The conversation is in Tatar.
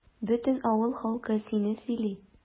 Бөтен авыл халкы сине сөйли.